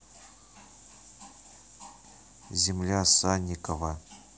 земля санникова